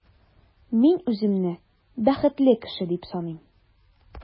Мин үземне бәхетле кеше дип саныйм.